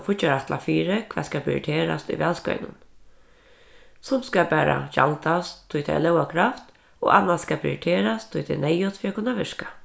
fíggjarætlan fyri hvat skal prioriterast í valskeiðnum sumt skal bara gjaldast tí tað er lógarkravt og annað skal prioriterast tí tað er neyðugt fyri at kunna virka